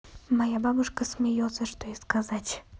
моя бабушка смеется что и сказать